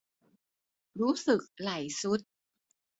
รู้สึกไหล่ทรุด